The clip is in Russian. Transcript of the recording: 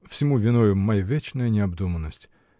-- Всему виною -- моя вечная необдуманность.